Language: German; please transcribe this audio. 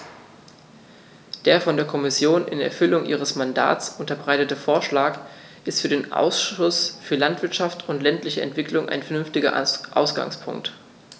Der von der Kommission in Erfüllung ihres Mandats unterbreitete Vorschlag ist für den Ausschuss für Landwirtschaft und ländliche Entwicklung ein vernünftiger Ausgangspunkt.